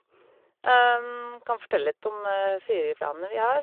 Kan fortelle litt om ferieplanene vi har.